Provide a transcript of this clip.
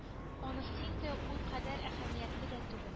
Анысы инде ул кадәр әһәмиятле дә түгел